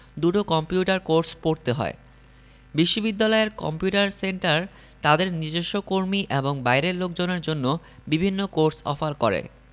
দুটো computer course পড়তে হয় বিশ্ববিদ্যালয়ের কম্পিউটার সেন্টার তাদের নিজস্ব কর্মী এবং বাইরের লোকজনের জন্য বিভিন্ন কোর্স অফার করে